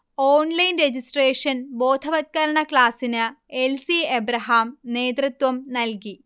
Online registration ബോധവത്കരണ ക്ലാസ്സിന് L. C. Abraham നേതൃത്വം നൽകി